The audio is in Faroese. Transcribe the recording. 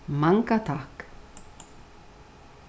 manga takk